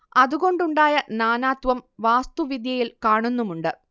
അതുകൊണ്ടുണ്ടായ നാനാത്വം വാസ്തുവിദ്യയിൽ കാണുന്നുമുണ്ട്